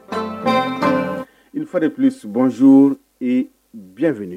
Ifa de tunsibzo bifɛ